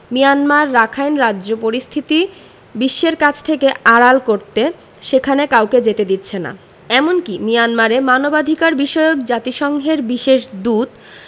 Myanmar Rakhine রাজ্য পরিস্থিতি বিশ্বের কাছ থেকে আড়াল করতে সেখানে কাউকে যেতে দিচ্ছে না এমনকি মিয়ানমারে মানবাধিকারবিষয়ক জাতিসংঘের বিশেষ দূত